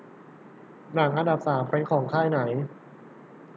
หนังอันดับสามเป็นของค่ายไหน